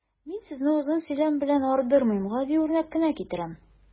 Мин сезне озын сөйләм белән ардырмыйм, гади үрнәк кенә китерәм.